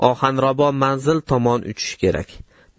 ohanrabo manzil tomon uchishi kerak